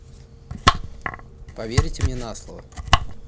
поверьте мне на слово